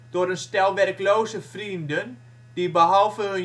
door een stel werkloze vrienden die behalve